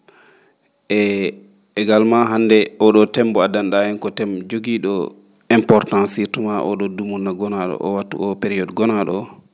e également hanNde o?oO théme mbo addan?aA en ko théme jogIi?o importance surtout maa oo ?oo dumunna gonaa?o oo wattu oo période gonaa?o oo